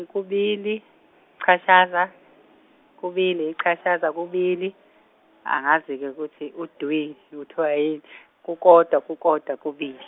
kubili, yichashaza, kubili yichashaza kubili, angazi -ke ukuthi udwi kuthiwa yini kukodwa kukodwa kubili.